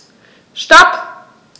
Stop.